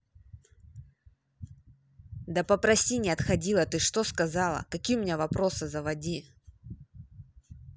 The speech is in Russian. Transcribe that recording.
да попроси не отходила ты что сказала какие у меня вопросы заводи